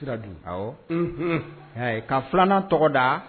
Ka filanan tɔgɔ da